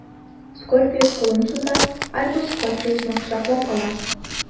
Скорпиус кулын суза, Альбус Скорпиусны кочаклап ала.